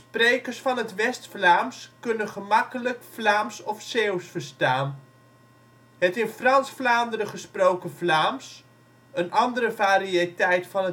Sprekers van het West-Vlaams kunnen gemakkelijk Vlaemsch of Zeeuws verstaan. Het in Frans-Vlaanderen gesproken Vlaemsch, een andere variëteit van